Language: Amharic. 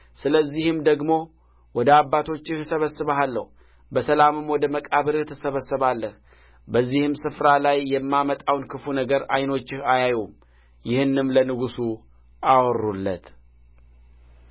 ስለዚህም ደግሞ ወደ አባቶችህ እሰበስብሃለሁ በሰላምም ወደ መቃብርህ ትሰበሰባለህ በዚህም ስፍራ ላይ የማመጣውን ክፉ ነገር ዓይኖችህ አያዩም ይህንም ለንጉሡ አወሩለት